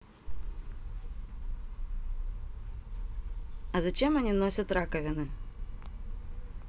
а зачем они носят раковины